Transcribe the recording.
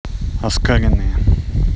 оскаленные